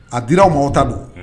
A dira aw ma aw ta don, un